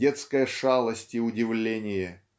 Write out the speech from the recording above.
детская шалость и удивление.